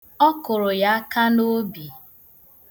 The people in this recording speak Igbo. Ọ kụrụ ya aka n'obi.